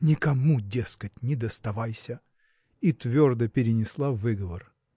никому, дескать, не доставайся, и твердо перенесла выговор.